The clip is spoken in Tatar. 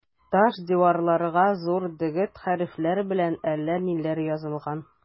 Таш диварларга зур дегет хәрефләр белән әллә ниләр язылган.